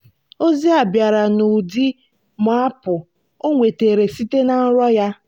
Ozi ahụ bịara n'ụdị maapụ o nwetara site na nrọ ya.